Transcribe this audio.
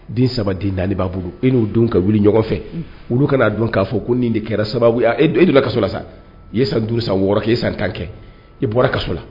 Den 3, den 4 b'a bolo. I n'u denw ka wuli ɲɔgɔn fɛ. Olu kan'a dɔn k'a fɔ ko nin de kɛra sababu ye a e de bɛ kaso la sa. I ye san 5,san 6 kɛ. I ye san 10 kɛ. I bɔra kaso la.